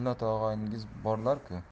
mulla tog'oyingiz borlar ku